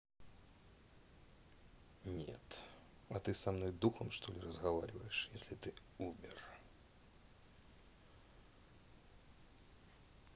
нет а ты со мной духом что ли разговариваешь если ты умер